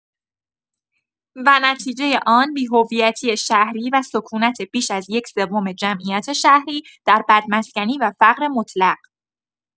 و نتیجۀ آن بی‌هویتی شهری و سکونت بیش از یک‌سوم جمعیت شهری در بدمسکنی و فقر مطلق.